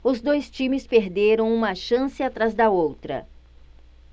os dois times perderam uma chance atrás da outra